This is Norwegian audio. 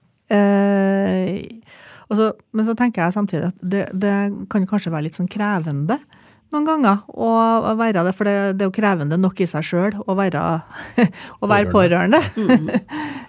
altså men så tenker jeg samtidig at det det kan jo kanskje være litt sånn krevende noen ganger å å være det for det det er jo krevende nok i seg sjøl å være å være pårørende .